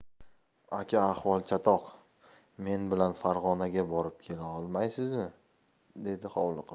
aka ahvol chatoq men bilan farg'onaga borib kela olmaysizmi dedi hovliqib